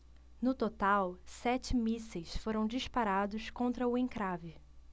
no total sete mísseis foram disparados contra o encrave